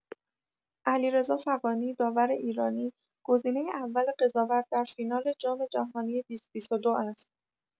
علیرضا فغانی، داور ایرانی، گزینه اول قضاوت در فینال جام‌جهانی ۲۰۲۲ است.